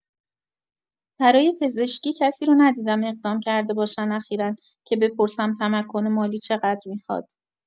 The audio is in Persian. برای پزشکی کسی رو ندیدم اقدام کرده باشن اخیرا که بپرسم تمکن مالی چقدر میخاد.